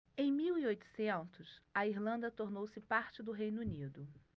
em mil e oitocentos a irlanda tornou-se parte do reino unido